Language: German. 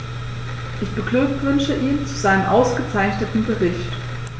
Ich beglückwünsche ihn zu seinem ausgezeichneten Bericht.